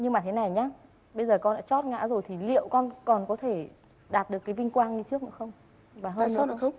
nhưng mà thế này nhá bây giờ con đã trót ngã rồi thì liệu con còn có thể đạt được cái vinh quang như trước nữa không và hơn nữa